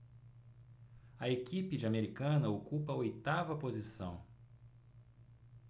a equipe de americana ocupa a oitava posição